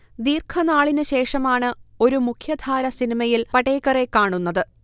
ദീർഘനാളിന്ശേഷമാണ് ഒരു മുഖ്യധാര സിനിമയിൽ പടേക്കറെ കാണുന്നത്